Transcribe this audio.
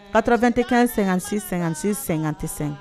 95 56 56 55